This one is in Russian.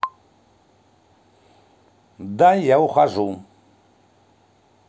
да я ухожу